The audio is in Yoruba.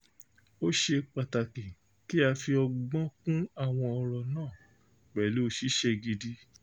Ó ṣe pàtàkì kí a fi ọgbọ́n kún àwọn ọ̀rọ̀ náà pẹ̀lú ṣíṣe gidi.